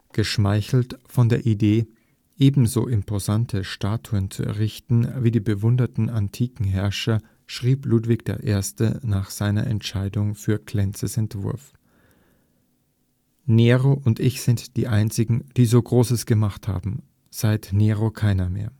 Geschmeichelt von der Idee, ebenso imposante Statuen zu errichten wie die bewunderten antiken Herrscher, schrieb Ludwig I. nach seiner Entscheidung für Klenzes Entwurf: „ Nero und ich sind die einzigen, die so Großes gemacht haben, seit Nero keiner mehr